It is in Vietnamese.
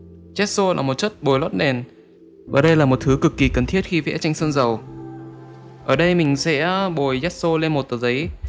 gesso là một chất bồi lót nền và đây là một thứ cực kỳ cần thiết khi vẽ tranh sơn dầu ở đây mình sẽ bồi gesso lên một tờ giấy